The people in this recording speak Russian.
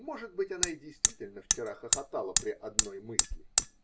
может быть, она и действительно вчера хохотала при "одной мысли".